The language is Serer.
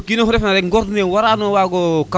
parce op kino xu ref na rek ŋor ni wara no waago kaw